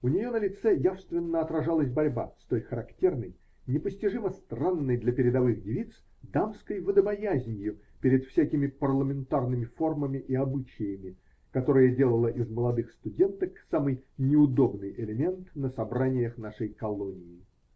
У нее на лице явственно отражалась борьба с той характерной, непостижимо странной для передовых девиц дамской водобоязнью перед всякими парламентарными формами и обычаями, которая делала из молодых студенток самый неудобный элемент на собраниях нашей колонии.